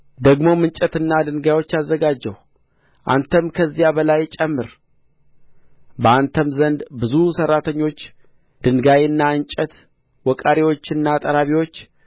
ደግሞም እንጨትና ድንጋዮች አዘጋጀሁ አንተም ከዚያ በላይ ጨምር በአንተም ዘንድ ብዙ ሠራተኞች ድንጋይና እንጨት ወቃሪዎችና ጠራቢዎች